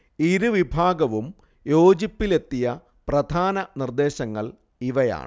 ഇരു വിഭാഗവും യോജിപ്പിലെത്തിയ പ്രധാന നിർദ്ദേശങ്ങൾ ഇവയാണ്